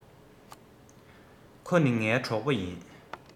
ཁོ ནི ངའི གྲོགས པོ ཡིན